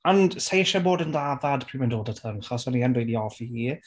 Ond sa i isie bod yn ddafad pryd mae'n dod at hyn, achos o'n i yn rili hoffi hi.